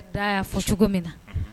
'a fɔ cogo min